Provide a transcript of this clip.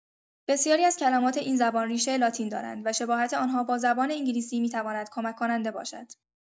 بسیاری از کلمات این زبان ریشه لاتین دارند و شباهت آنها با زبان انگلیسی می‌تواند کمک‌کننده باشد.